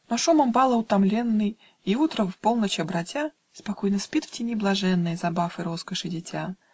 Но, шумом бала утомленный И утро в полночь обратя, Спокойно спит в тени блаженной Забав и роскоши дитя.